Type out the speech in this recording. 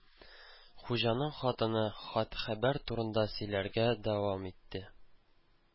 Хуҗаның хатыны хат-хәбәр турында сөйләргә дәвам итте